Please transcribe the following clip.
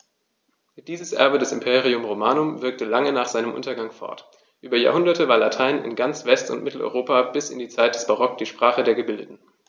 Dieses Erbe des Imperium Romanum wirkte lange nach seinem Untergang fort: Über Jahrhunderte war Latein in ganz West- und Mitteleuropa bis in die Zeit des Barock die Sprache der Gebildeten.